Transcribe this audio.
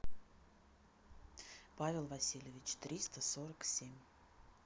павел васильевич триста сорок семь